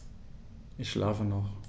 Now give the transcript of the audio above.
Ich schlafe noch.